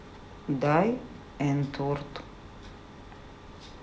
дай энтвурд